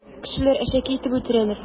Кешеләр әшәке итеп үтерәләр.